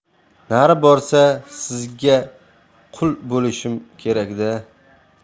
nari borsa sizga qul bo'lishim kerakda